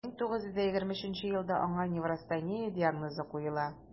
1923 елда аңа неврастения диагнозы куела: